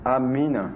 amiina